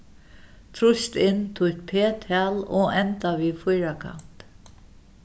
trýst inn títt p-tal og enda við fýrakanti